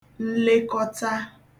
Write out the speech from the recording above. nlekọta